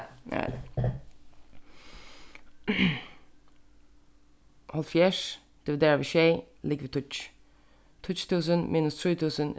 hálvfjerðs dividera við sjey ligvið tíggju tíggju túsund minus trý túsund